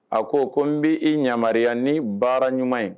A ko ko n b' e yama ni baara ɲuman ye